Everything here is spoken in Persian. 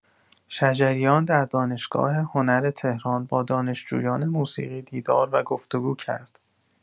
شجریان در دانشگاه هنر تهران با دانشجویان موسیقی دیدار و گفتگو کرد.